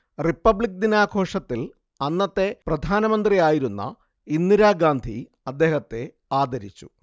republic ദിനാഘോഷത്തിൽ അന്നത്തെ പ്രധാനമന്ത്രിയായിരുന്ന ഇന്ദിരാഗാന്ധി അദ്ദേഹത്തെ ആദരിച്ചു